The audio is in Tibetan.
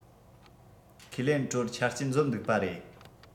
ཁས ལེན དྲོར ཆ རྐྱེན འཛོམས འདུག པ རེད